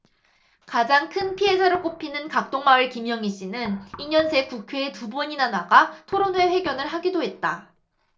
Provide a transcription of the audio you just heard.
가장 큰 피해자로 꼽히는 각동마을 김영희씨는 이 년 새 국회에 두 번이나 나가 토론회 회견을 하기도 했다